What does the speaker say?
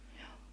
joo